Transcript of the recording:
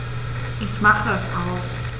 Ich mache es aus.